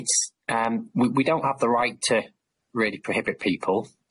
It's yym we we don't have the right to really prohibit people.